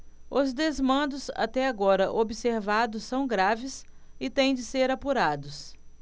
os desmandos até agora observados são graves e têm de ser apurados